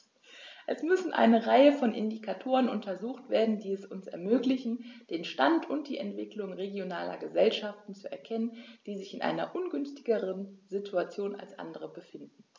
Es müssen eine Reihe von Indikatoren untersucht werden, die es uns ermöglichen, den Stand und die Entwicklung regionaler Gesellschaften zu erkennen, die sich in einer ungünstigeren Situation als andere befinden.